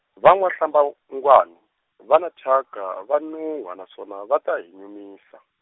va N'wa-Hlabangwani, va na thyaka va nunhwa naswona va ta hi nyumisa.